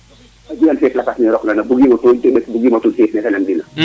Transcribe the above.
*